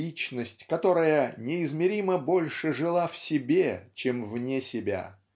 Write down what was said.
личность, которая неизмеримо больше жила в себе, чем вне себя